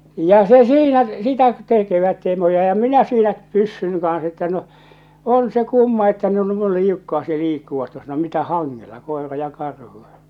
ja se siinä sitä tekevät siinä ja minä siinä pyssyn kanssa että no on se kumma että nuo noin liukkaasti liikkuvat tuossa no mitä hangella koira ja karhu